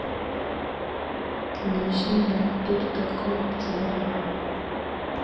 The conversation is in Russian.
объясни мне кто ты такая пчела